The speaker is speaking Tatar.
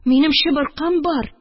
Минем чыбыркым бар